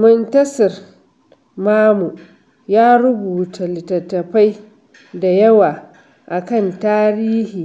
Muntasir Mamu ya rubuta littattafai da yawa a kan tarihi